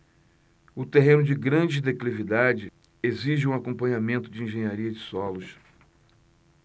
o terreno de grande declividade exige um acompanhamento de engenharia de solos